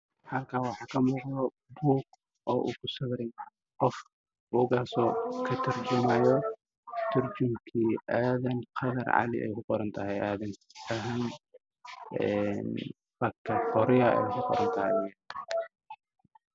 Halkaan waxaa ka muuqdo buug cadaan iyo madaw ah dhexda waxaa ku sawiran nin taagan oo buur saaran